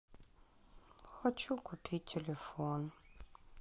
хочу купить телефон